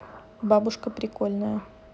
бабушка прикольная